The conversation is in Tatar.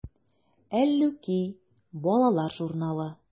“әллүки” балалар журналы.